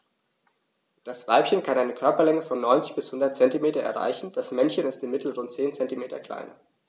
Das Weibchen kann eine Körperlänge von 90-100 cm erreichen; das Männchen ist im Mittel rund 10 cm kleiner.